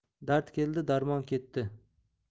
dard keldi darmon ketdi